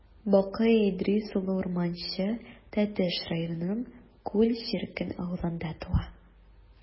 Бакый Идрис улы Урманче Тәтеш районының Күл черкен авылында туа.